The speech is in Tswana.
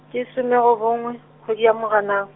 ke some robongwe, kgwedi ya Moranang.